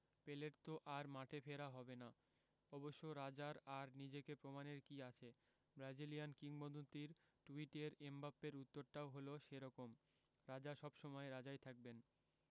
পেলের তো আর মাঠে ফেরা হবে না অবশ্য রাজার আর নিজেকে প্রমাণের কী আছে ব্রাজিলিয়ান কিংবদন্তির টুইটের এমবাপ্পের উত্তরটাও হলো সে রকম রাজা সব সময় রাজাই থাকবেন